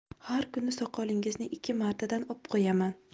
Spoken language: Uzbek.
har kuni soqolingizni ikki martadan op qo'yaman